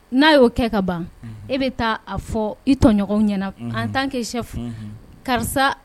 N'a y'o ka ban e bɛ taa a fɔ i tɔɲɔgɔnw ɲɛna an tan k ke karisa